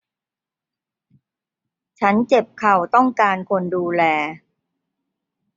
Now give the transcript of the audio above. ฉันเจ็บเข่าต้องการคนดูแล